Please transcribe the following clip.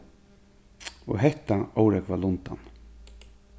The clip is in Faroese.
og hetta órógvar lundan